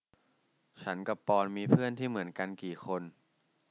ฉันกับปอนด์มีเพื่อนที่เหมือนกันกี่คน